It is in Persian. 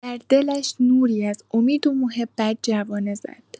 در دلش نوری از امید و محبت جوانه زد.